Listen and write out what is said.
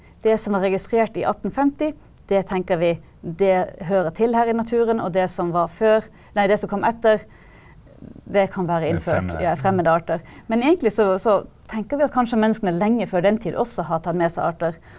det som var registrert i 1850 det tenker vi det hører til her i naturen, og det som var før nei det som kom etter det kan være innført ja fremmede arter, men egentlig så så tenker vi at kanskje menneskene lenge før den tid også har tatt med seg arter.